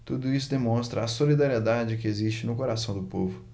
tudo isso demonstra a solidariedade que existe no coração do povo